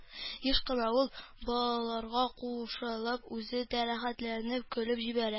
Еш кына ул, балаларга кушылып, үзе дә рәхәтләнеп көлеп җибәрә.